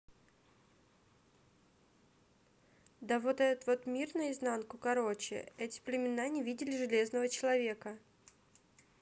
да вот этот вот мир наизнанку короче эти племена не видели железного человека